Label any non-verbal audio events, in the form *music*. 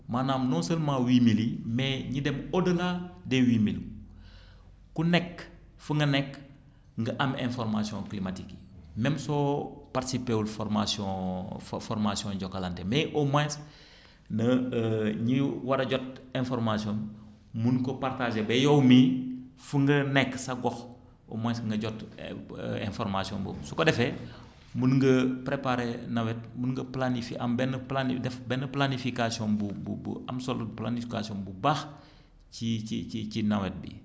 maanaam non seulement huit mille yi mais ñi dem au delà des huit mille *breath* ku nekk fu nga nekk nga ame information climatiques yi même soo participé wul formation *hesitation* fo formation Jokalante mais au moins *breath* na *hesitation* ñi war a jot information mën ko partager ba yow mii fu nga nekk sa gox au moins nga jot *hesitation* information boobu su ko defee mën nga préparer nawet mën nga planifier am benn plani def benn planification bu bu bu am solo planification bu baax ci ci ci ci nawet bi